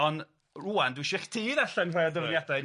Ond rŵan dwi isie i chdi ddarllen rhai o'r dyfyniadau